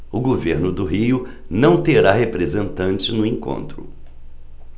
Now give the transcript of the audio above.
o governo do rio não terá representante no encontro